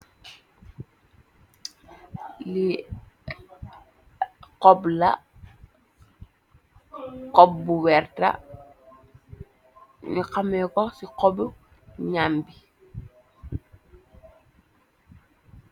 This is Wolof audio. Li xob la. Xob bu werta. Nyu xaméko ci xobu nyambi.